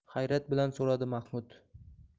hayrat bilan so'radi mahmud